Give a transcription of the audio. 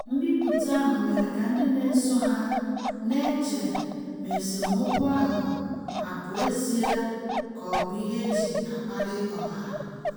Mbipụta ahụ mere ka ndị na-eso ha na-eche ma esemokwu ahụ abụ ezịa ka ọ bụ ihe e ji akpali ọha: